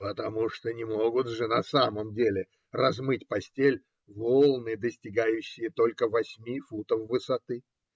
Потому что не могут же на самом деле размыть постель волны, достигающие только восьми футов высоты.